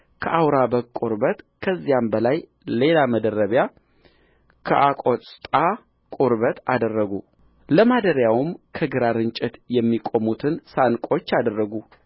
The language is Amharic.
ከአውራ በግ ቁርበት ከዚያም በላይ ሌላ መደረቢያ ከአቆስጣ ቁርበት አደረጉ ለማደሪያውም ከግራር እንጨት የሚቆሙትን ሳንቆች አደረጉ